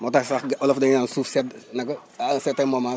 moo tax sax olof day naan suuf sedd ne ko à un certain moment